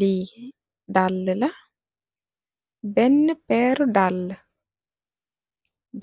Lii daalë la, beenë peeru daalë.